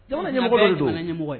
Mɔgɔmɔgɔ